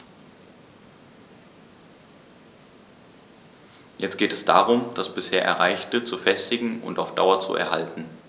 Jetzt geht es darum, das bisher Erreichte zu festigen und auf Dauer zu erhalten.